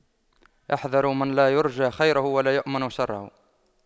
احذروا من لا يرجى خيره ولا يؤمن شره